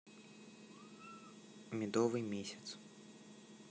медовый месяц